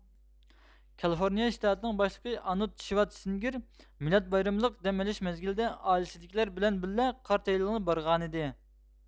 كالىفورنىيە شتاتىنىڭ باشلىقى ئانود شىۋادسېنگىر مىلاد بايرىمىلىق دەم ئېلىش مەزگىلىدە ئائىلىسىدىكىلەر بىلەن بىللە قار تېيىلغىلى بارغانىدى